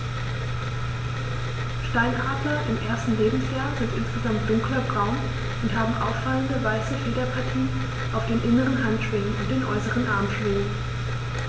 Steinadler im ersten Lebensjahr sind insgesamt dunkler braun und haben auffallende, weiße Federpartien auf den inneren Handschwingen und den äußeren Armschwingen.